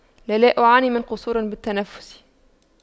لا لا أعاني من قصور بالتنفس